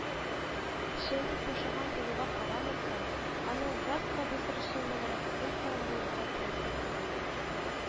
Чәйнек бушаган булуга карамастан, аның газ кабызыр өчен генә ул караңгылыкка керәсе килми